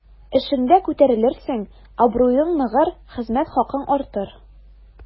Эшеңдә күтәрелерсең, абруең ныгыр, хезмәт хакың артыр.